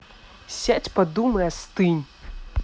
сядь подумай остынь